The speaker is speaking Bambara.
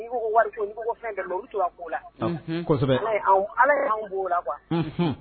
I bɛ to b'o la ala b'o la